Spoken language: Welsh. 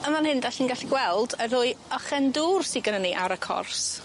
Yn fan hyn dach chi'n gallu gweld y ddwy ochen dwr sy gynnon ni ar y cors.